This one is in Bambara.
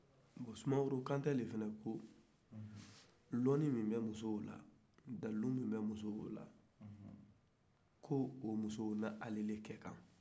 sumaworo kante de fana ko dɔni min dɛ muso in na dalu min bɛ muso bolo ko o muso ni ale de ka kan